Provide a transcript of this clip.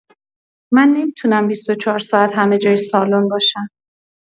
من نمی‌تونم بیست‌وچهار ساعت همه جای سالن باشم.